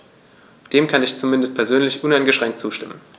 Dem kann ich zumindest persönlich uneingeschränkt zustimmen.